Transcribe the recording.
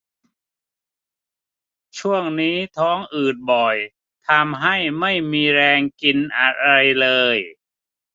ช่วงนี้ท้องอืดบ่อยทำให้ไม่มีแรงกินอะไรเลย